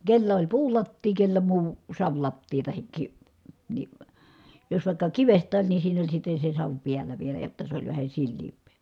kenellä oli puulattia kenellä muu savilattia tai - niin jos vaikka kivestä niin siinä oli sitten se savi päällä vielä jotta se oli vähän sileämpää